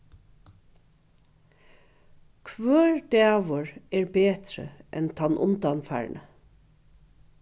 hvør dagur er betri enn tann undanfarni